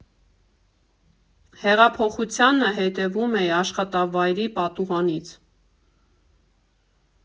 Հեղափոխությանը հետևում էի աշխատավայրի պատուհանից։